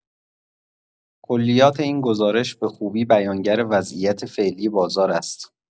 کلیات این گزارش به خوبی بیانگر وضعیت فعلی بازار است.